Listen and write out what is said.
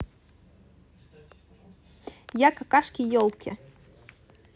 я какашки елки